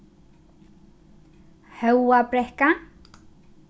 hóvabrekka